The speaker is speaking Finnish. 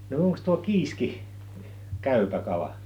no onkos tuo kiiski käypä kala